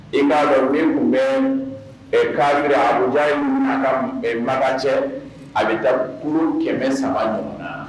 I m'a dɔn min tun bɛ e k'a jira abujan ma cɛ a bɛ jaurun kɛmɛ saba ye